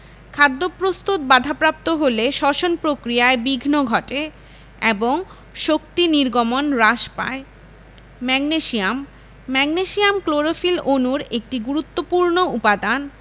খাদ্যপ্রস্তুত বাধাপ্রাপ্ত হলে শ্বসন প্রক্রিয়ায় বিঘ্ন ঘটে এবং শক্তি নির্গমন হ্রাস পায় ম্যাগনেসিয়াম ম্যাগনেসিয়াম ক্লোরোফিল অণুর একটি গুরুত্বপুর্ণ উপাদান